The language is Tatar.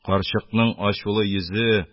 Карчыкның ачулы йөзе